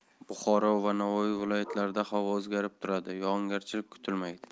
buxoro va navoiy viloyatlarida havo o'zgarib turadi yog'ingarchilik kutilmaydi